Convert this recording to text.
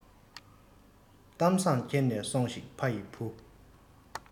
གཏམ བཟང འཁྱེར ནས སོང ཞིག ཕ ཡི བུ